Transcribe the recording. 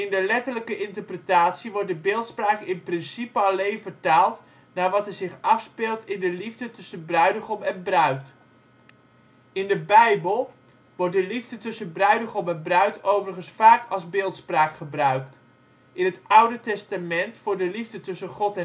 de letterlijke interpretatie wordt de beeldspraak in principe alleen vertaald naar wat er zich afspeelt in de liefde tussen bruidegom en bruid. In de Bijbel wordt de liefde tussen bruidegom en bruid overigens vaak als beeldspraak gebruikt. In het Oude Testament voor de liefde tussen God